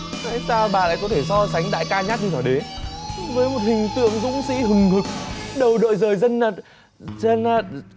tại sao bà lại có thể so sánh đại ca nhát như thỏ đế với một hình tượng dũng sĩ hừng hực đầu đội giời chân a chân a